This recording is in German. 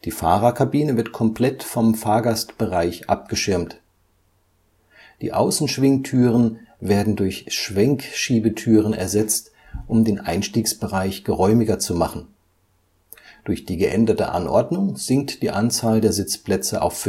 Fahrerkabine wird komplett vom Fahrgastbereich abgeschirmt. Die Außenschwingtüren werden durch Schwenkschiebetüren ersetzt, um den Einstiegsbereich geräumiger zu machen. Durch die geänderte Anordnung sinkt die Anzahl der Sitzplätze auf